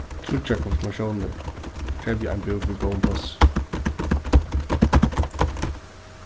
tríggjar konfirmatiónir krevja ein búk við góðum plássi